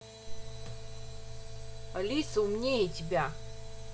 алиса умнее тебя